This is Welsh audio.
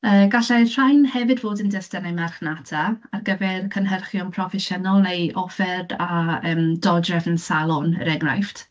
Yy, gallai'r rhain hefyd fod yn destunau marchnata ar gyfer cynhyrchion proffesiynol, neu offer a yym dodrefn salon, er enghraifft.